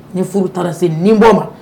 Ni furu taara se nin b' ma